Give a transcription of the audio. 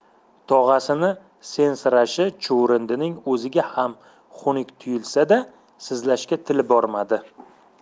tog'asini sensirashi chuvrindining o'ziga ham xunuk tuyulsa da sizlashga tili bormadi